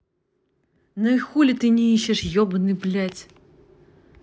ну и хули ты не ищешь ебаный блядь